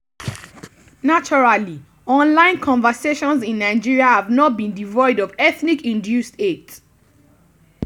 Naturally, online conversations in Nigeria have not been devoid of ethnic-induced hate.